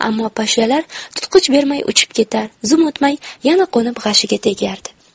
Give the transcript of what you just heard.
ammo pashshalar tutqich bermay uchib ketar zum o'tmay yana qo'nib g'ashiga tegardi